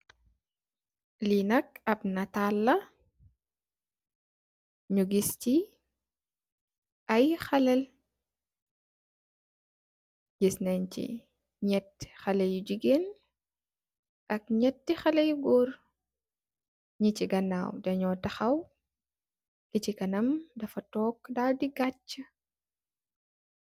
Li nak ap netal la nyu gis si ay xale giss neen si neeti xale jigeen ak neeti xale yu goor nyu si kanaw deey nyu taxaw ki si kanam dafa tog daal di kacha.